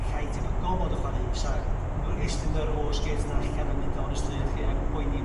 llai tebygol fod y' chwareus a n- g- estyn y rôlosgêts 'na allan a mynd lawr y stryd 'lly heb boeni